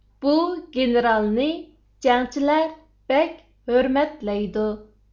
بۇ گېنېرالنى جەڭچىلەر بەك ھۆرمەتلەيدۇ